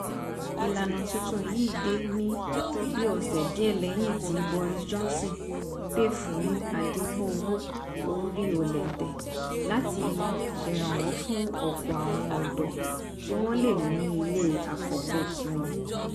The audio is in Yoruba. Ìlànà tuntun yìí dé ní bíi ọ̀ṣẹ díẹ̀ lẹ́yìn tí Boris Johnson pè fún àdínkù owó orí olóǹtẹ̀ láti ṣèrànwọ́ fún ọ̀pọ̀ àwọn ọ̀dọ̀ kí wọ́n le ní ilé àkọ̀kọ̀ tiwọ́n.